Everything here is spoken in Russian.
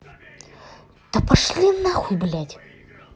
да пошли нахуй блядь